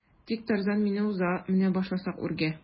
Тик Тарзан мине уза менә башласак үргә.